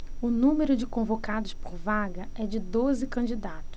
o número de convocados por vaga é de doze candidatos